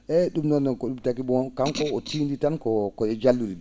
eeyi ?um noon ko ?um tagi bon kanngu ngu tiimi tan ko ko e jallu?i